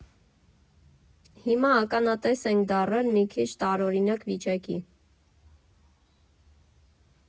Հիմա ականատես ենք դառել մի քիչ տարօրինակ վիճակի.